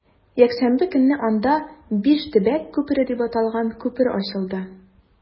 Якшәмбе көнне анда “Биш төбәк күпере” дип аталган күпер ачылды.